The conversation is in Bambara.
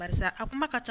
Karisa a kuma ka ca